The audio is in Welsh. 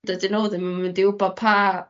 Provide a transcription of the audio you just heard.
dydyn n'w ddim yn mynd i wbod pa